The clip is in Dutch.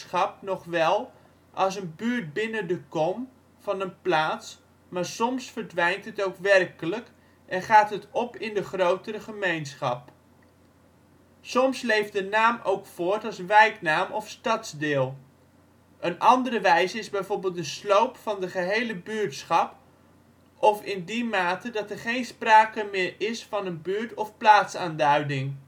wel als een buurt binnen de kom van een plaats maar soms verdwijnt het ook werkelijk en gaat het op in de grotere gemeenschap. Soms leeft de naam ook voort als wijknaam of stadsdeel. Een andere wijze is bijvoorbeeld de sloop van de gehele buurtschap of in die mate dat er geen sprake meer is van een buurt of plaatsaanduiding